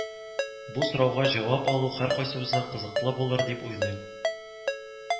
Бу сорауга җавап алу һәркайсыбызга кызыклы булыр дип уйлыйм